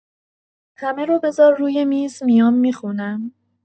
همه رو بزار روی میز میام می‌خونم